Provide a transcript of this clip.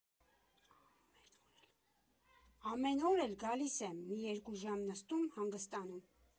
Ամեն օր էլ գալիս եմ, մի երկու ժամ նստում, հանգստանում։